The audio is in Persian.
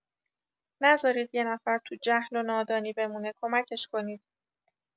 نزارید یه نفر تو جهل و نادانی بمونه کمکش کنید